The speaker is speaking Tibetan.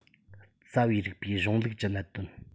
རྩ བའི རིགས པའི གཞུང ལུགས ཀྱི གནད དོན